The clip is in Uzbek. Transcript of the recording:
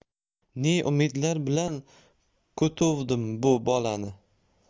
ne umidlar bilan kutuvdim bu bolani